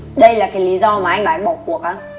đây là cái lý do mà anh bảo anh bỏ cuộc á